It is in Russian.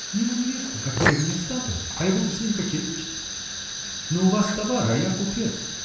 -- У него невеста, как древняя статуя, а я буду с ним кокетничать?! Но у вас товар -- а я купец.